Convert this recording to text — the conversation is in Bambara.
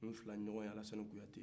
nfilani ɲɔgɔ ye alasan kuyate